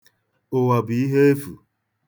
Ụwa bụ ihe efu.